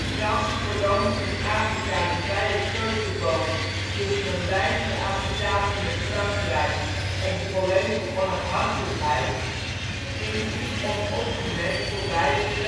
Franse kolonies in Afrika de vrije keuze bood tussen een blijvende associatie met Frankrijk of de volledige onafhankelijkheid, ging dit niet onopgemerkt voorbij in